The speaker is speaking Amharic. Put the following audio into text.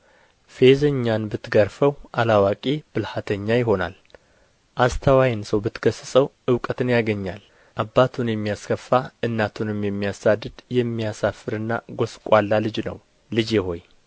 ፌዘኛ ብትገርፈው አላዋቂ ብልሃተኛ ይሆናል አስተዋይን ሰው ብትገሥጸው እውቀትን ያገኛል አባቱን የሚያስከፋ እናቱንም የሚያሳድድ የሚያሳፍርና ጐስቋላ ልጅ ነው ልጅ ሆይ